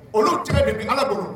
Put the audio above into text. Olu tɛm bɛ bi ala bolo